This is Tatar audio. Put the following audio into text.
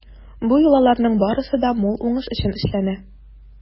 Бу йолаларның барысы да мул уңыш өчен эшләнә.